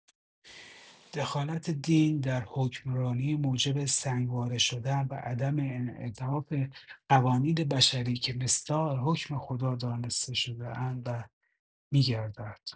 دخالت دین در حکمرانی موجب سنگ واره شدن و عدم انعطاف قوانین بشری که مصداق حکم خدا دانسته شده‌اند می‌گردد.